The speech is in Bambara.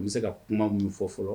N bɛ se ka kuma minnu fɔ fɔlɔ